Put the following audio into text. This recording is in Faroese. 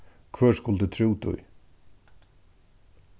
hvør skuldi trúð tí